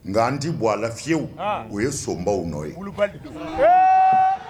Nkadi bɔ ala fiyewuw o ye sobaw ye kulubali